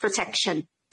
Protecshyn.